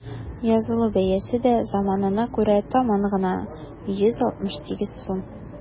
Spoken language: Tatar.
Язылу бәясе дә заманына күрә таман гына: 168 сум.